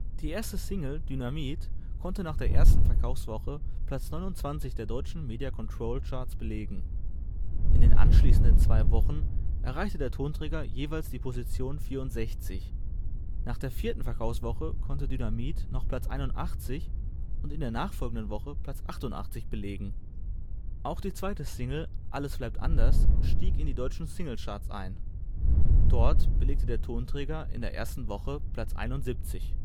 Die erste Single Dynamit! konnte nach der ersten Verkaufswoche Platz 29 der deutschen Media-Control-Charts belegen. In den anschließenden zwei Wochen erreichte der Tonträger jeweils die Position 64. Nach der vierten Verkaufswoche konnte Dynamit! noch Platz 81 und in der nachfolgenden Woche Platz 88 belegen. Auch die zweite Single Alles bleibt anders stieg in die deutschen Single-Charts ein. Dort belegte der Tonträger in der ersten Woche Platz 71.